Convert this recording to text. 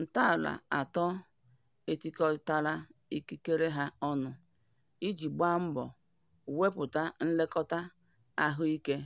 Ntọala atọ etikọtala ikikere ha ọnụ iji gbaa mbọ wepụta nlekọta ahụike